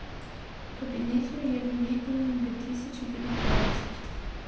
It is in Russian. победитель евровидения две тысячи девятнадцать